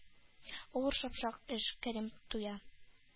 Авыр, шапшак эш. Кәрим туя.